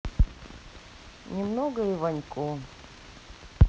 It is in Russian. немного иванько